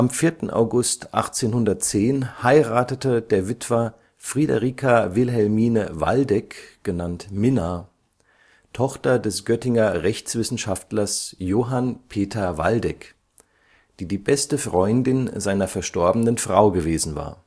4. August 1810 heiratete der Witwer Friederica Wilhelmine Waldeck (genannt Minna; * 15. April 1788; † 12. September 1831), Tochter des Göttinger Rechtswissenschaftlers Johann Peter Waldeck, die die beste Freundin seiner verstorbenen Frau gewesen war